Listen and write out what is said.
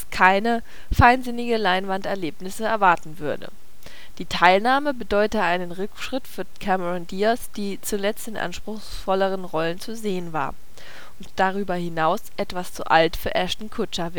keine „ feinsinnige Leinwanderlebnisse “erwarten würde. Die Teilnahme bedeute einen Rückschritt für Cameron Diaz, die „ zuletzt in anspruchsvolleren Rollen zu sehen war “und darüber hinaus „ etwas zu alt “für Ashton Kutcher